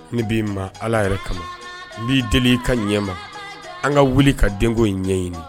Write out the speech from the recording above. Ne b'i ma ala yɛrɛ kama n b'i deli ka ɲɛ ma an ka wuli ka denko ɲɛɲini